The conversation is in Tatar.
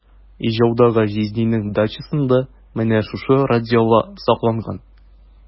Ижаудагы җизнинең дачасында менә шушы радиола сакланган.